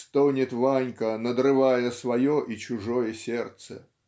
стонет Ванька, надрывая свое и чужое сердце,